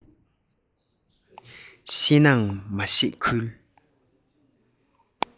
ཤེས ནའང མ ཤེས ཁུལ